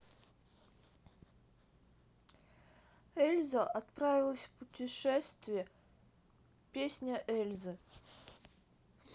эльза отправилась в путешествие песня эльзы